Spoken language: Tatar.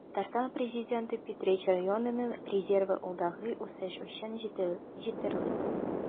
Татарстан Президенты: Питрәч районының резервы алдагы үсеш өчен җитәрлек